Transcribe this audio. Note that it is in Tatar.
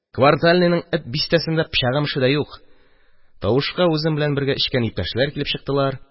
Квартальныйның Эт бистәсендә пычагым эше дә юк, тавышка үзем белән бергә эчкән иптәшләр килеп чыктылар. –